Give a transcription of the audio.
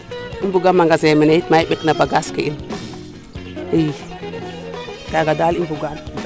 i mbuga magazin mene itam maa i ɓek na bagage ke in kaaga daal i mbugaan